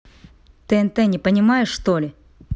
тнт не понимаешь что ли